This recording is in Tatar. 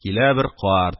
Килә бер карт: